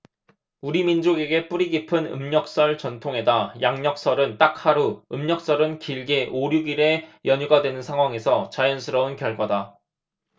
우리 민족에게 뿌리깊은 음력 설 전통에다 양력 설은 딱 하루 음력 설은 길게 오 육 일의 연휴가 되는 상황에서 자연스러운 결과다